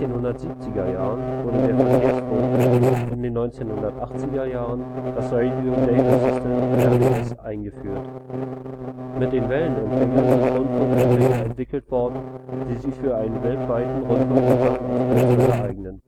1970er Jahren wurde der Verkehrsfunk, in den 1980er Jahren das Radio Data System (RDS) eingeführt. Mit den Weltempfängern sind Rundfunkempfänger entwickelt worden, die sich für einen weltweiten Rundfunkempfang auf Kurzwelle eignen